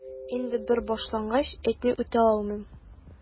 Инде бер башлангач, әйтми үтә алмыйм...